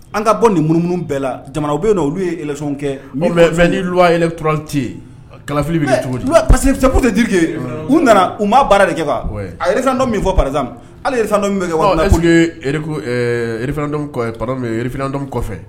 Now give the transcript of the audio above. An ka bɔ nin munumunu bɛɛ la jamana bɛ don olu ye kɛ ni lyɛlɛttefi bɛ kɛ cogo parce tɛke u nana u ma baara de kɛ arerdɔ min fɔ paz ale yɛrɛdɔ bɛ kɛrerfiinadenw kɔfɛ